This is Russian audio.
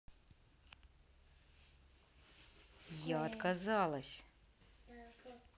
я отказалась